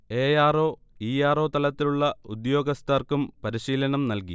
A. R. O., E. R. O. തലത്തിലുള്ള ഉദ്യോഗസ്ഥർക്കും പരിശീലനം നൽകി